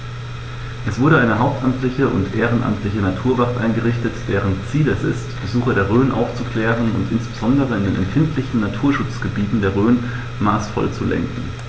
Es wurde eine hauptamtliche und ehrenamtliche Naturwacht eingerichtet, deren Ziel es ist, Besucher der Rhön aufzuklären und insbesondere in den empfindlichen Naturschutzgebieten der Rhön maßvoll zu lenken.